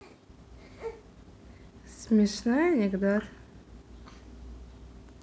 смешной анекдот